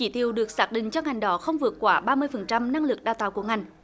chỉ tiêu được xác định cho ngành đó không vượt quá ba mươi phần trăm năng lực đào tạo của ngành